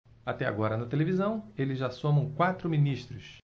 até agora na televisão eles já somam quatro ministros